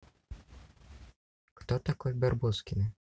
кто такой барбоскины